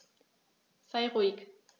Sei ruhig.